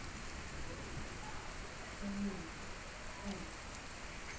аминка мультики